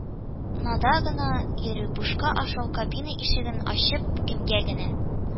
Нада гына йөрү, бушка ашау, кабина ишеген ачып кемгә генә